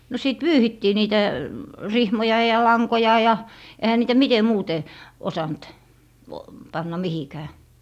no siitä pyyhittiin niitä rihmoja ja lankoja ja eihän niitä miten muuten osannut panna mihinkään